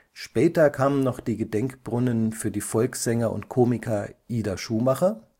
Später kamen noch die Gedenkbrunnen für die Volkssänger und Komiker Ida Schumacher